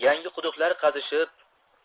yangi quduqlar qazishib